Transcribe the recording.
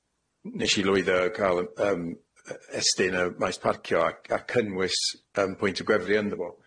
N- nesh i lwyddo ca'l yy yym y estyn y maes parcio ac ac cynnwys yym pwyntiau gwefru ynddo fo.